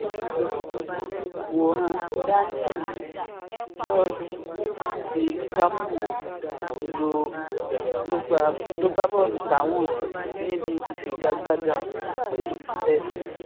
Wòran: Daniel Sturridge ti Liverpool ló gbá bọ́ọ̀lù sáwọ̀n níbi ìfigagbága pẹ̀lú Chelsea